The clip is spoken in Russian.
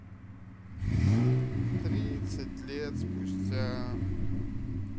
тридцать лет спустя